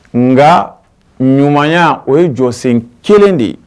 Nka ɲumanya o ye jɔsen kelen de ye